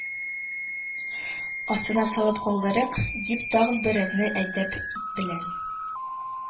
Астына салып калдырыйк» дип, тагын берәрне әдәп белән